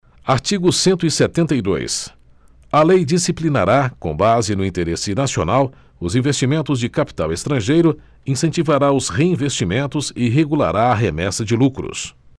artigo cento e setenta e dois a lei disciplinará com base no interesse nacional os investimentos de capital estrangeiro incentivará os reinvestimentos e regulará a remessa de lucros